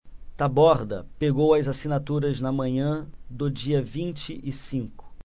taborda pegou as assinaturas na manhã do dia vinte e cinco